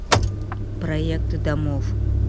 проекты домов